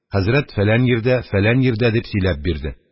Хәзрәт, фәлән йирдә, фәлән йирдә, дип сөйләп бирде